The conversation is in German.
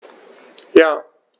Ja.